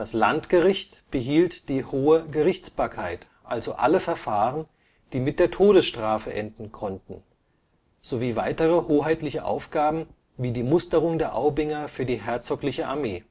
Landgericht behielt die hohe Gerichtsbarkeit, also alle Verfahren, die mit der Todesstrafe enden konnten, sowie weitere hoheitliche Aufgaben wie die Musterung der Aubinger für die herzogliche Armee